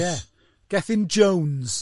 Ie, Gethin Jones.